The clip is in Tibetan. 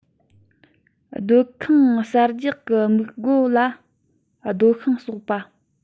སྡོད ཁང གསར རྒྱག གི དམིགས སྒོ ལ རྡོ ཤིང གསོག པ